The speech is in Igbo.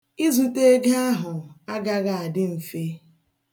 Izute ego ahụ agaghị adị mfe.